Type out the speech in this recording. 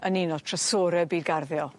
yn un or trysore byd garddio.